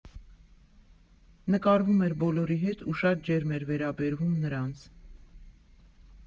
Նկարվում էր բոլորի հետ ու շատ ջերմ էր վերաբերվում նրանց։